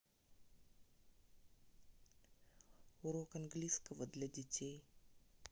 уроки английского для детей